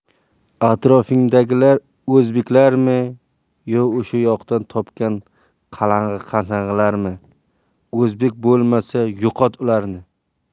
atrofingdagilar o'zbeklarmi yo o'sha yoqdan topgan qalang'i qasang'ilaringmi o'zbek bo'lmasa yo'qot ularni